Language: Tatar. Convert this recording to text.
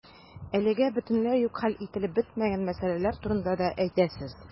Әлегә бөтенләй үк хәл ителеп бетмәгән мәсьәләләр турында да әйтәсез.